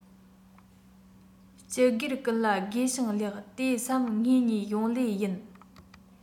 སྤྱི སྒེར ཀུན ལ དགེ ཞིང ལེགས དེ བསམ ངེད གཉིས ཡོང ལེ ཡིན